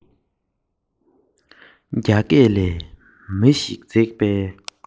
ང ཚོས རའི འོ མ འཐུང ཆོག